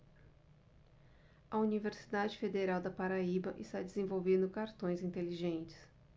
a universidade federal da paraíba está desenvolvendo cartões inteligentes